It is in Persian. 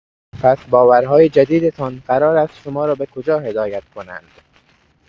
پس باورهای جدیدتان قرار است شما را به کجا هدایت کنند؟